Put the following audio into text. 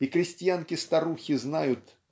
и крестьянки-старухи знают